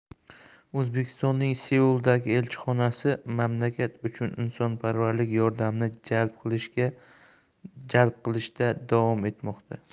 o'zbekistonning seuldagi elchixonasi mamlakat uchun insonparvarlik yordamini jalb qilishda davom etmoqda